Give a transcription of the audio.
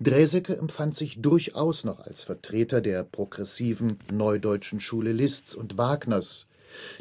Draeseke empfand sich durchaus noch als Vertreter der progressiven Neudeutschen Schule Liszts und Wagners,